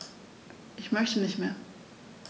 Ich möchte nicht mehr.